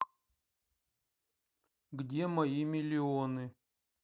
где мои миллионы